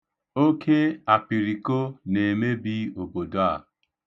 Oke apiriko na-emebi obodo a.